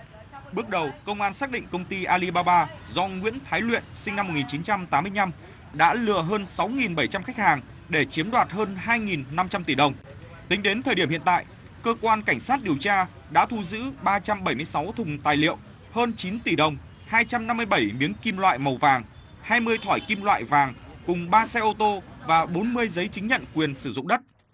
bước đầu công an xác định công ty a li ba ba do nguyễn thái luyện sinh năm một nghìn chín trăm tám mươi nhăm đã lừa hơn sáu nghìn bảy trăm khách hàng để chiếm đoạt hơn hai nghìn năm trăm tỷ đồng tính đến thời điểm hiện tại cơ quan cảnh sát điều tra đã thu giữ ba trăm bảy mươi sáu thùng tài liệu hơn chín tỷ đồng hai trăm năm mươi bảy miếng kim loại màu vàng hai mươi thỏi kim loại vàng cùng ba xe ô tô và bốn mươi giấy chứng nhận quyền sử dụng đất